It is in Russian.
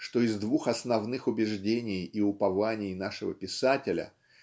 что из двух основных убеждений и упований нашего писателя